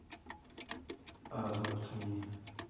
адопт ми